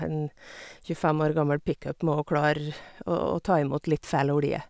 En tjuefem år gammel pickup må jo klare å å ta imot litt feil olje.